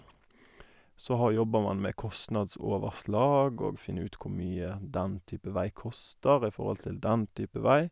Så har jobber man med kostnadsoverslag og finne ut hvor mye den type vei koster i forhold til den type vei.